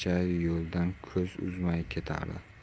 yo'ldan ko'z uzmay ketardi